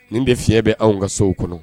Nin bɛ fiɲɛ bɛ anw ka sow kɔnɔ